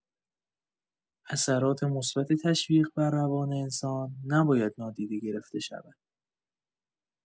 اثرات مثبت تشویق بر روان انسان نباید نادیده گرفته شود.